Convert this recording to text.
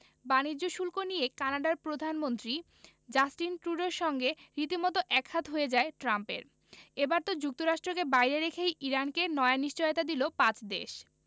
বাণিজ্য শুল্ক নিয়ে কানাডার প্রধানমন্ত্রী জাস্টিন ট্রুডোর সঙ্গে রীতিমতো একহাত হয়ে যায় ট্রাম্পের এবার তো যুক্তরাষ্ট্রকে বাইরে রেখেই ইরানকে নয়া নিশ্চয়তা দিল পাঁচ দেশ